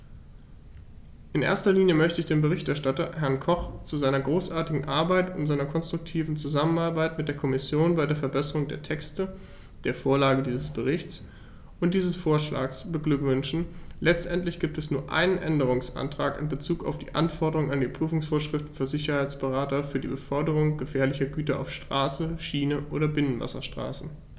In erster Linie möchte ich den Berichterstatter, Herrn Koch, zu seiner großartigen Arbeit und seiner konstruktiven Zusammenarbeit mit der Kommission bei der Verbesserung der Texte, der Vorlage dieses Berichts und dieses Vorschlags beglückwünschen; letztendlich gibt es nur einen Änderungsantrag in bezug auf die Anforderungen an die Prüfungsvorschriften für Sicherheitsberater für die Beförderung gefährlicher Güter auf Straße, Schiene oder Binnenwasserstraßen.